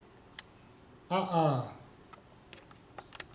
ཨ ཨ